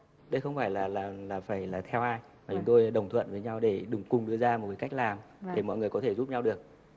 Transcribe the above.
đây không phải là là là vậy là theo ai bởi vì tôi đồng thuận với nhau để cùng đưa ra một cách làm để mọi người có thể giúp nhau được